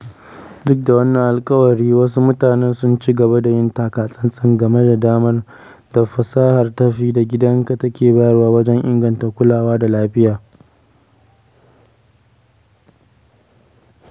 Duk da wannan alƙawari, wasu mutanen sun ci gaba da yin takatsantsan game da damar da fasahar tafi da gidanka take bayarwa wajen inganta kulawa da lafiya.